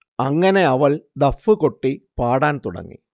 അങ്ങനെയവൾ ദഫ്ഫ് കൊട്ടി പാടാൻ തുടങ്ങി